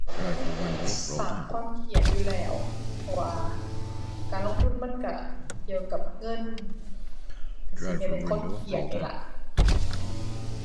สร้างความเครียดอยู่แล้ว เพราะว่าการลงทุนมันก็เกี่ยวกับเงิน ก็สิเฮ็ดให้คนเครียดนี่ล่ะ